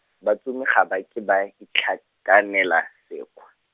batsomi ga ba ke ba, tlhakanela, sekgwa.